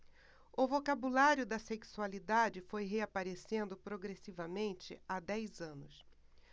o vocabulário da sexualidade foi reaparecendo progressivamente há dez anos